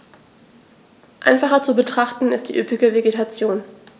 Einfacher zu betrachten ist die üppige Vegetation.